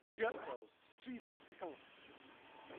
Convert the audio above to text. Bicycles. Try- tree testicle?